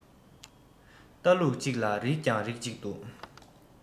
ལྟ ལུགས གཅིག ལ རིགས ཀྱང རིགས གཅིག འདུག